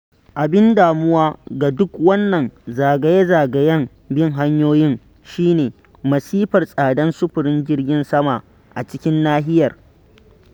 Abin damuwa ga duk wannan zagaye-zagayen bin hanyoyin shi ne masifar tsadar sufurin jirgin sama a cikin nahiyar.